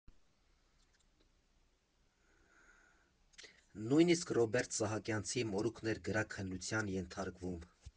Նույնիսկ Ռոբերտ Սահակյանցի մորուքն էր գրաքննության ենթարկվում։